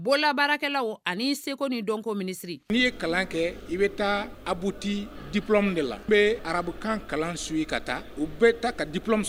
Bɔra baarakɛlaw ani seko ni dɔnko minisiri , n'i ye kalan kɛ, i bɛ taa abuti diplome de la bɛ ararababukan kalan suit ka taa u bɛɛ ta ka diplome sɔrɔ!